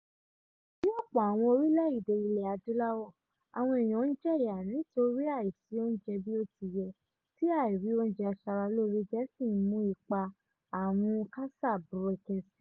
Ní ọ̀pọ̀ àwọn orílẹ̀-èdè ilẹ̀ Adúláwọ̀ àwọn èèyàn ń jẹ́yà nítorí àìsí oúnjẹ bí ó ti yẹ, tí àìrí oúnjẹ aṣaralóore jẹ́ sì ń mú ipa àrùn KASA búrẹ́kẹ́ síi.